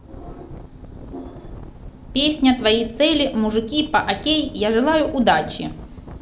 песня твои цели мужики по окей я желаю удачи